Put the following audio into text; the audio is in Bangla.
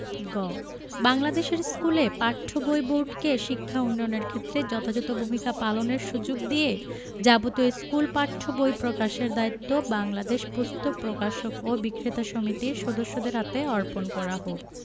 গ বাংলাদেশের স্কুলে পাঠ্য বই বোর্ডকে শিক্ষা উন্নয়নের ক্ষেত্রে যথাযথ ভূমিকা পালনের সুযোগ দিয়ে যাবতীয় স্কুল পাঠ্য বই প্রকাশের দায়িত্ব বাংলাদেশ পুস্তক প্রকাশক ও বিক্রেতা সমিতির সদস্যদের হাতে অর্পণ করা হোক